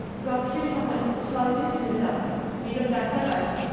প্রকাশের সময় ৬জুন ২০১৮ বিকেল ৪টা ২২ মিনিট